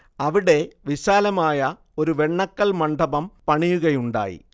അവിടെ വിശാലമായ ഒരു വെണ്ണക്കൽ മണ്ഡപം പണിയുകയുണ്ടായി